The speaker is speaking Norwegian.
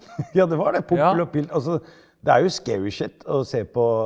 ja det var det Pompel og Pilt altså det er jo shit å se på.